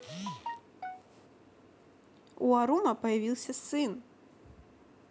у арума появился сын